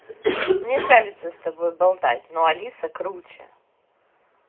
мне нравится с тобой болтать но алиса круче